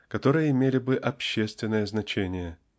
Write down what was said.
которые имели бы общественное значение.